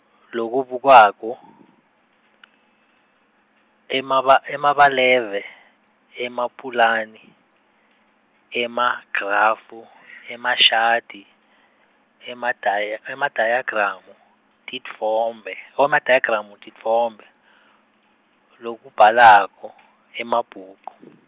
lokubukwako, Emaba, Emabalave, Emapulani, Emagrafu , Emashadi, Emadaya- Emadayagramu Titfombe, Emadayagramu Titfombe, Lokubhalako , Emabhuku.